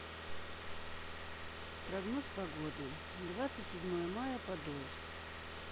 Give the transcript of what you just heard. прогноз погоды двадцать седьмое мая подольск